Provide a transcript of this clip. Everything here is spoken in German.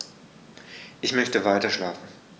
Ich möchte weiterschlafen.